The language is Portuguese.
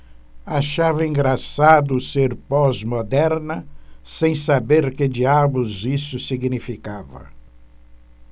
achava engraçado ser pós-moderna sem saber que diabos isso significava